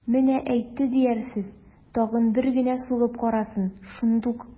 Менә әйтте диярсез, тагын бер генә сугып карасын, шундук...